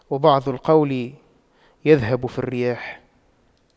وبعض القول يذهب في الرياح